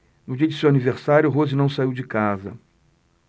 no dia de seu aniversário rose não saiu de casa